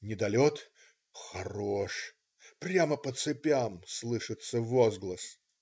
"Недолет", "Хорош", "Прямо по цепям",- слышится возглас.